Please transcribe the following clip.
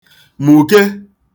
mụ̀ke